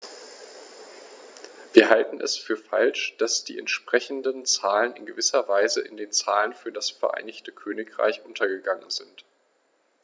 Wir halten es für falsch, dass die entsprechenden Zahlen in gewisser Weise in den Zahlen für das Vereinigte Königreich untergegangen sind.